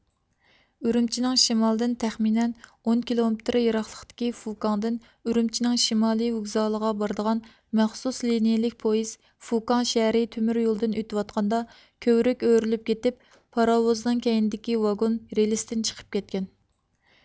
ئۈرۈمچىنىڭ شىمالىدىن تەخمىنەن ئون كىلومېتىر يىراقلىقتىكى فۇكاڭدىن ئۈرۈمچىنىڭ شىمالىي ۋوگزالىغا بارىدىغان مەخسۇس لىنيىلىك پويىز فۇكاڭ شەھىرى تۆمۈر يولىدىن ئۆتۈۋاتقاندا كۆۋرۈك ئۆرۈلۈپ كېتىپ پاراۋۇزنىڭ كەينىدىكى ۋاگۇن رېلىستىن چىقىپ كەتكەن